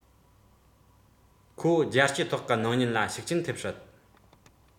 ཁོ རྒྱལ སྤྱིའི ཐོག གི སྣང བརྙན ལ ཤུགས རྐྱེན ཐེབས སྲིད